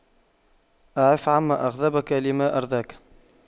اعف عما أغضبك لما أرضاك